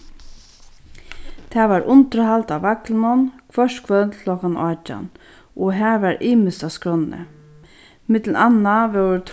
tað var undirhald á vaglinum hvørt kvøld klokkan átjan og har var ymiskt á skránni millum annað vóru